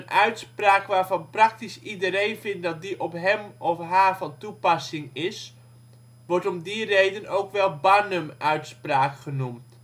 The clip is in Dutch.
uitspraak waarvan praktisch iedereen vindt dat die op hem - of haarzelf van toepassing is, wordt om die reden ook wel Barnum-uitspraak genoemd